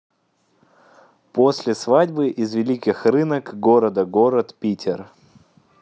после свадьбы из великих рынок города город питер